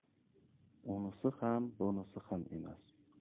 unisi ham bunisi ham emas